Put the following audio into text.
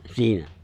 siinä